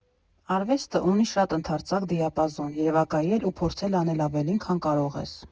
Արվեստը ունի շատ ընդարձակ դիապազոն, երևակայել ու փորձել անել ավելին, քան կարող ես։